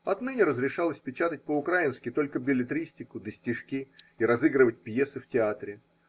Отныне разрешалось печатать по-украински только беллетристику да стишки и разыгрывать пьесы в театре